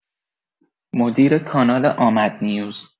مدیر کانال آمدنیوز